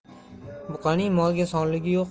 buqaning molga sonligi